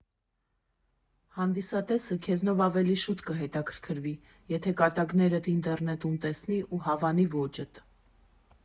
Հանդիսատեսը քեզնով ավելի շուտ կհետաքրքրվի, եթե կատակներդ ինտերնետում տեսնի ու հավանի ոճդ)։